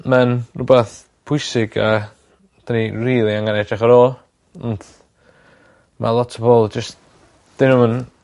ma'n rhwbeth pwysig a 'dan ni rili angen edrych ar ôl ond ma' lot o bobol jyst 'dyn nw'm yn